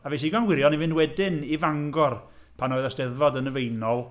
A fues i ddigon gwirion i fynd wedyn i Fangor pan oedd y Steddfod yn y Feinol...